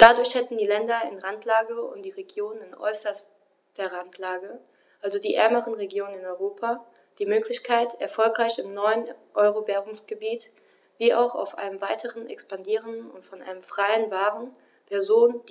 Dadurch hätten die Länder in Randlage und die Regionen in äußerster Randlage, also die ärmeren Regionen in Europa, die Möglichkeit, erfolgreich im neuen Euro-Währungsgebiet wie auch auf einem weiter expandierenden und von einem freien Waren-, Personen-,